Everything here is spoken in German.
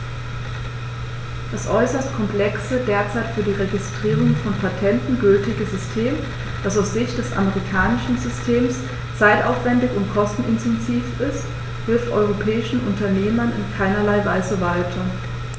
Das äußerst komplexe, derzeit für die Registrierung von Patenten gültige System, das aus Sicht des amerikanischen Systems zeitaufwändig und kostenintensiv ist, hilft europäischen Unternehmern in keinerlei Weise weiter.